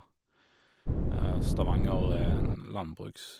Stavanger er en landbruks...